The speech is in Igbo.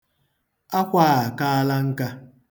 Akwa a akaala nka.